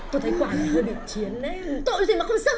tôi thấy quả này hơi bị chiến đấy tội gì mà không xưng